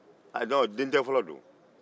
denkɛ fɔlɔ don